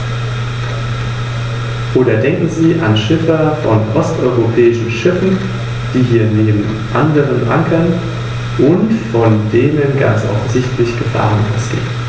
Dem kann ich zumindest persönlich uneingeschränkt zustimmen.